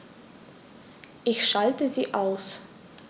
Ich schalte sie aus.